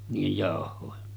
niiden jauhojen